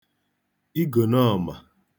igònọọ̀mà